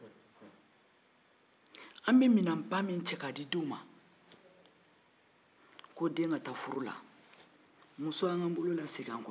an bɛ minɛnba minnu di an denw ma n'u bɛ taa furu la an ka dɔ bɔ o la musow